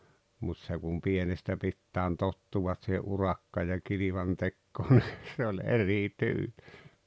mutta se kun pienestä pitäen tottuvat siihen - ja kilvantekoon niin se oli eri tyyli